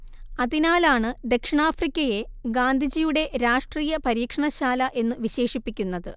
അതിനാലാണ് ദക്ഷിണാഫ്രിക്കയെ ഗാന്ധിജിയുടെ രാഷ്ട്രീയ പരീക്ഷണ ശാല എന്നു വിശേഷിപ്പിക്കുന്നത്